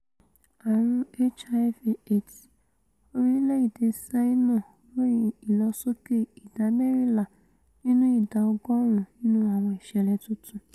Ààrùn HIV/Aids: Orilẹ̵-ede Ṣáínà ròyìn ìlọsókè ìdá mẹ́rìnlá nínú ìdá ọgọ́ọ̀rún nínú àwọn ìṣẹ̀lẹ̀ tuntun